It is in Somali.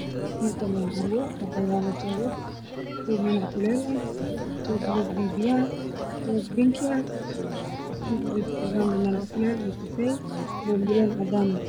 Waa carwo ay yeelaan afar saako